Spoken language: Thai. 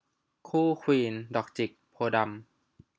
คู่ควีนดอกจิกโพธิ์ดำ